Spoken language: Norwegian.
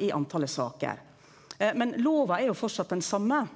i talet sakar, men lova er jo framleis den same.